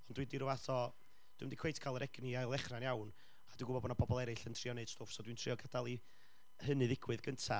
ond dwi di ryw fath o, dwi'm di cweit cael yr egni i ail-ddechrau'n iawn, a dwi'n gwybod bod 'na bobl eraill yn trio wneud stwff, so dwi'n trio gadael i hynny ddigwydd gynta.